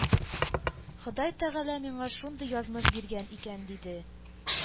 Ходай Тәгалә миңа шундый язмыш биргән икән инде,